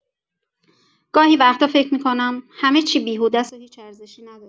گاهی وقتا فکر می‌کنم همه چی بیهودست و هیچ ارزشی نداره.